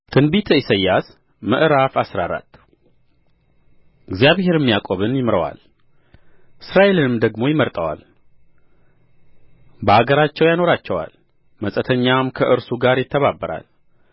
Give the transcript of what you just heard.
ትንቢተ ኢሳይያስ ምዕራፍ አስራ አራት እግዚአብሔርም ያዕቆብን ይምረዋል እስራኤልንም ደግሞ ይመርጠዋል በአገራቸውም ያኖራቸዋል መጻተኛም ከእርሱ ጋር ይተባበራል